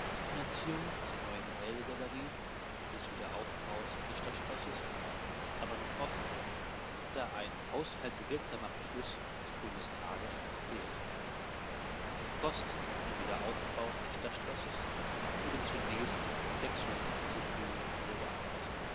Die Finanzierung der neuen Gemäldegalerie und des Wiederaufbaus des Stadtschlosses ist aber noch offen, da ein haushaltswirksamer Beschluss des Bundestages fehlt. Die Kosten für den Wiederaufbau des Stadtschlosses wurden zunächst mit 670 Millionen Euro angegeben